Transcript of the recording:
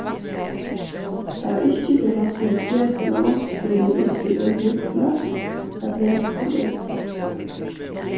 tað var ikki fyrr enn hann skuldi gera sína námsfrøðiligu útbúgving lidna at vend kom í